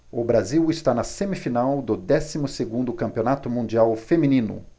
o brasil está na semifinal do décimo segundo campeonato mundial feminino